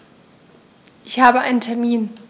Ich habe einen Termin.